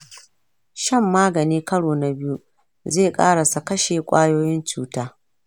shan magani karo na biyu zai karasa kashe ƙwayoyin cuta.